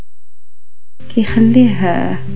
يخليها